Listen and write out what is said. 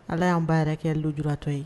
Ala y'an ba yɛrɛ kɛ lu jutɔ ye